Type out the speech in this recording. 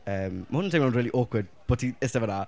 yym, ma' hwn yn teimlo'n really awkward bod ti'n iste fan'na!